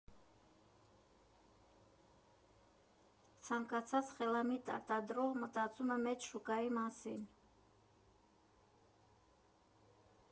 Ցանկացած խելամիտ արտադրող մտածում է մեծ շուկայի մասին։